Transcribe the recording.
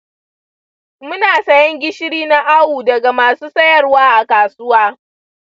muna sayen gishiri na awu daga masu sayarwa a kasuwa